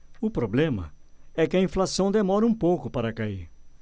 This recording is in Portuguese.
o problema é que a inflação demora um pouco para cair